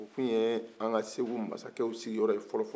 u tun ye an ka segu masa kɛw sigiyɔrɔ ye fɔlɔfɔlɔ